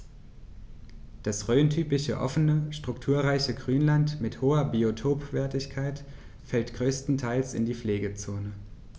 Das rhöntypische offene, strukturreiche Grünland mit hoher Biotopwertigkeit fällt größtenteils in die Pflegezone.